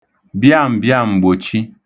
bịam̀bịam̀gbòchi